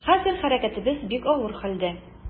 Хәзер хәрәкәтебез бик авыр хәлдә.